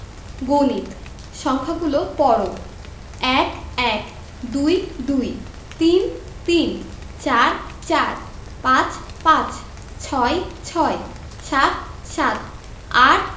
গণিত সংখ্যাগুলো পড়ঃ ১ - এক ২ - দুই ৩ - তিন ৪ – চার ৫ – পাঁচ ৬ - ছয় ৭ - সাত ৮